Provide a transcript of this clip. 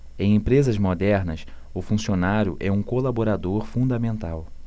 em empresas modernas o funcionário é um colaborador fundamental